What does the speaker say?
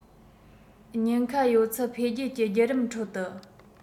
ཉེན ཁ ཡོད ཚད འཕེལ རྒྱས ཀྱི བརྒྱུད རིམ ཁྲོད དུ